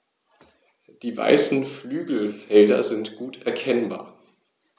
Die weißen Flügelfelder sind gut erkennbar.